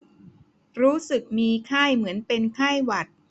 รู้สึกมีไข้เหมือนเป็นไข้หวัด